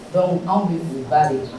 Dɔnku anw bɛ u ba de